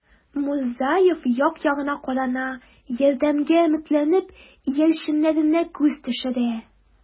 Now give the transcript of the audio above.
Мурзаев як-ягына карана, ярдәмгә өметләнеп, иярченнәренә күз төшерә.